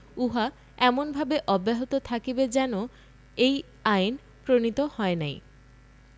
উহা এমনভাবে অব্যাহত থাকিবে যেন এই আইন প্রণীত হয় নাই